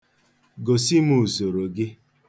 Gosi m usoro gị.